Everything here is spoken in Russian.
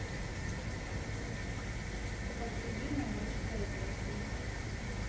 подсудимая русская версия